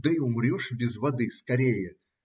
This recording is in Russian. Да и умрешь без воды скорее.